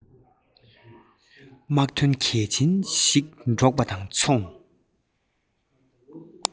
དམག དོན གལ ཆེན ཞིག སྒྲོག པ དང མཚུངས